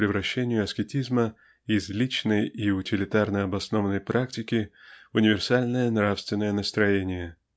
к превращению аскетизма из личной и утилитарно обоснованной практики в универсальное нравственное настроение.